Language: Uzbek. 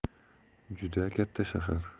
juda katta shahar